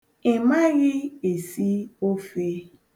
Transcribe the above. Ị maghị esi ofe.